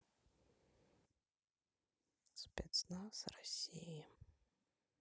спецназ россии